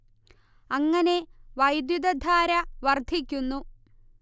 അങ്ങനെ വൈദ്യുതധാര വർദ്ധിക്കുന്നു